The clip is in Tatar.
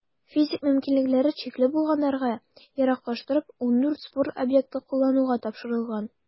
Физик мөмкинлекләре чикле булганнарга яраклаштырып, 14 спорт объекты куллануга тапшырылган.